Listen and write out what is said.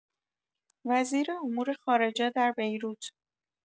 وزیر امور خارجه در بیروت